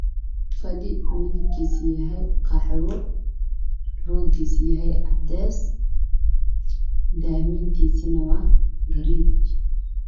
Meeshaan Waxa iga muuqdo fadhi midabkiisa yahay roogiisuna yahay caddaan